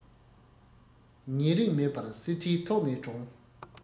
ཉེ རིང མེད པར གསེར ཁྲིའི ཐོག ནས དྲོངས